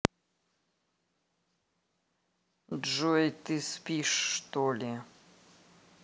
джой ты спишь что ли